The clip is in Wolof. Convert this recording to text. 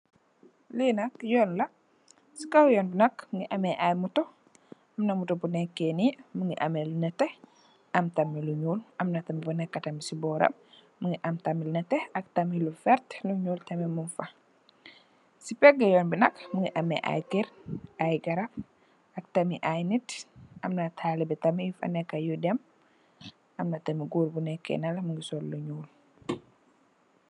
Li nak yoon la, ci kaw yoon bi nak mungi ameh ay moto. Amna moto bu nekkè ni, mungi ameh lu nètè, am tamit lu ñuul, amna tamit bu nekka tamit ci boram. Mungi am tamit nètè ak tamit lu vert, lu ñuul tamit mung fa. Ci pegg yoon bi nak mungi ameh ay kër, ay garab, ak tamit ay nit, amna talibè tamit yu fa nekka yi dem, amna tamit gòor bu nekkè nalè mungi sol lu ñuul.